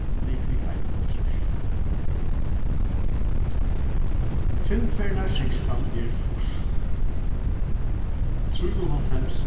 er ligvið einoghálvtrýss fimm ferðirnar sekstan er fýrs trýoghálvfems